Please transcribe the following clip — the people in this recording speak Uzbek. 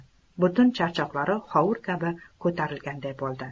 butun charchoqlari hovur kabi ko'tarilganday bo'ldi